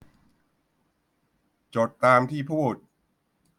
จดตามที่พูด